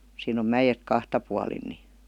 siinä on mäet kahta puolin niin